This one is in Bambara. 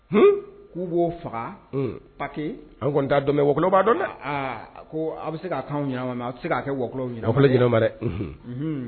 K'u b'o faga paki an n' dɔn wakololoba dɔn a ko aw bɛ se ka kan ɲɛna ma a bɛ se k' kɛ wakɔ ɲini a ɲɛna ma dɛ